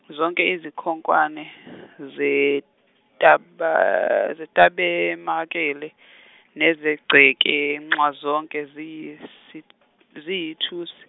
zonke izikhonkwane zetaba- zeTabemakele nezegceke nxazonke ziyisi- ziyithusi.